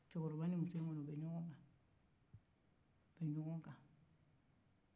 cɛkɔrɔba ni muso in kɔni u bɛ ɲɔgɔn kan-u bɛ ɲɔgɔn kan